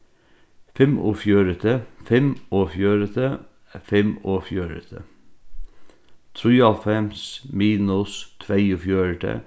fimmogfjøruti fimmogfjøruti fimmogfjøruti trýoghálvfems minus tveyogfjøruti